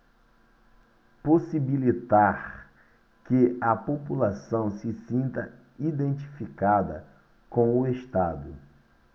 possibilitar que a população se sinta identificada com o estado